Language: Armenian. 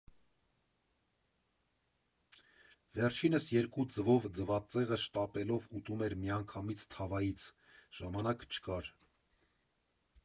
Վերջինս երկու ձվով ձվածեղը շտապելով ուտում էր միանգամից թավայից՝ ժամանակ չկար։